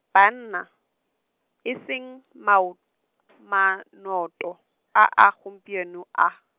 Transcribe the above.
banna, e seng, maot-, manoto, a a gompieno a.